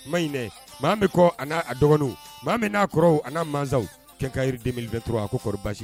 Ma ɲinɛ Mame kɔ an'a a dɔgɔniw Mame n'a kɔrɔw an'a mansaw Quincaillerie 2023 ko kɔri baasi